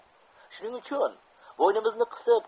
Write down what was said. shuning uchun bo'ynimizni qisib